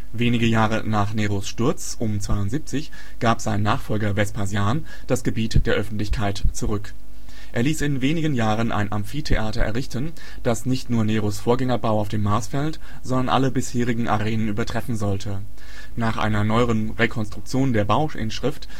Wenige Jahre nach Neros Sturz, um 72, gab sein Nachfolger Vespasian das Gebiet der Öffentlichkeit zurück. Er ließ in wenigen Jahren ein Amphitheater errichten, das nicht nur Neros Vorgängerbau auf dem Marsfeld, sondern alle bisherigen Arenen übertreffen sollte. Nach einer neueren Rekonstruktion der Bauinschrift des Kolosseums